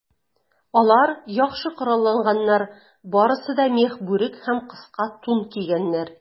Алар яхшы коралланганнар, барысы да мех бүрек һәм кыска тун кигәннәр.